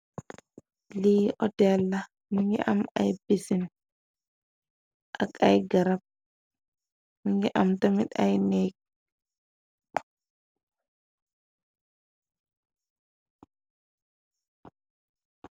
Li otella , mi ngi am ay pisin ak ay garab , mi ngi am tamit ay néek.